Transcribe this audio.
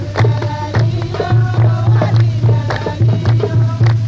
sanunɛgɛnin yo warinɛgɛnin yo